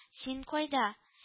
Син кайда